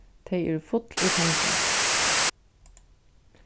tey eru full í pengum